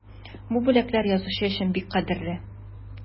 Бу бүләкләр язучы өчен бик кадерле.